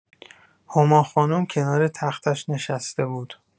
هما خانم کنار تختش نشسته بود.